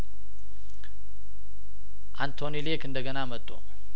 አንቶኒ ሌክ እንደገና መጡ